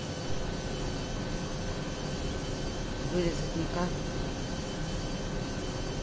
вырезать никак